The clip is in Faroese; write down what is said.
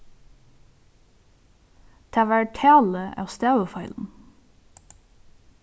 tað var talið av stavifeilum